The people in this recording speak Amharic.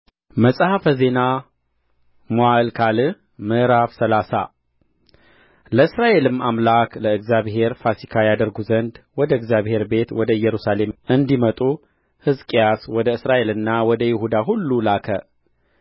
መጽሐፈ ዜና መዋዕል ካልዕ ምዕራፍ ሰላሳ ለእስራኤልም አምላክ ለእግዚአብሔር ፋሲካ ያደርጉ ዘንድ ወደ እግዚአብሔር ቤት ወደ ኢየሩሳሌም እንዲመጡ ሕዝቅያስ ወደ እስራኤልና ወደ ይሁዳ ሁሉ ላከ